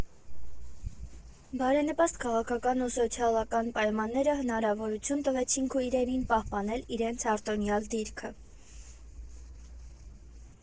Բարենպաստ քաղաքական ու սոցիալական պայմանները հնարավորություն տվեցին քույրերին պահպանել իրենց արտոնյալ դիրքը։